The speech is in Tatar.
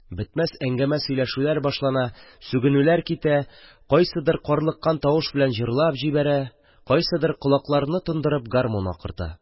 Бетмәс әңгәмә-сөйләшүләр башлана, сүгенүләр китә, кайсыдыр карлыккан тавыш белән җырлап җибәрә, кайсыдыр колакларны тондырып гармун акырта...